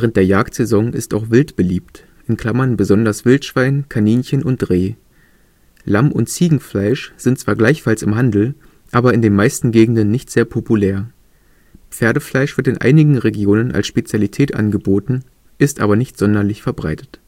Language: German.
der Jagdsaison ist auch Wild beliebt (besonders Wildschwein, Kaninchen und Reh). Lamm - und Ziegenfleisch sind zwar gleichfalls im Handel, aber in den meisten Gegenden nicht sehr populär. Pferdefleisch wird in einigen Regionen als Spezialität angeboten, ist aber nicht sonderlich verbreitet